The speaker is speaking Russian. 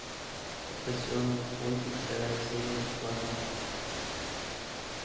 поросенок фунтик вторая серия бесплатно